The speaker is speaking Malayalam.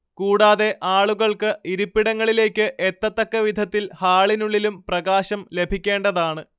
കൂടാതെ ആളുകൾക്ക് ഇരിപ്പിടങ്ങളിലേക്ക് എത്തത്തക്കവിധത്തിൽ ഹാളിനുള്ളിലും പ്രകാശം ലഭിക്കേണ്ടതാണ്